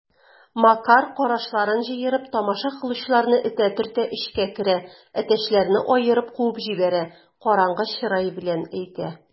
Макар, кашларын җыерып, тамаша кылучыларны этә-төртә эчкә керә, әтәчләрне аерып куып җибәрә, караңгы чырай белән әйтә: